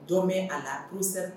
Dɔ bɛ a la p sera